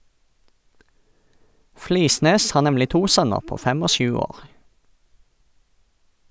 Flisnes har nemlig to sønner på fem og sju år.